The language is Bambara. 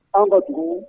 An ka dugu